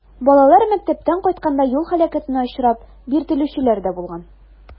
Балалар мәктәптән кайтканда юл һәлакәтенә очрап, биртелүчеләр дә булган.